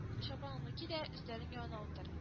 -чапаныңны ки дә, өстәлең янына утыр